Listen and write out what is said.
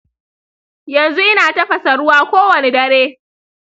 yanzu ina tafasa ruwa kowane dare